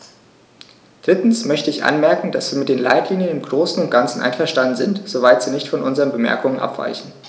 Drittens möchte ich anmerken, dass wir mit den Leitlinien im großen und ganzen einverstanden sind, soweit sie nicht von unseren Bemerkungen abweichen.